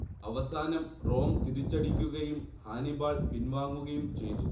അവസാനം റോം തിരിച്ചടിക്കുകയും ഹാനിബാൾ പിൻവാങ്ങുകയും ചെയ്തു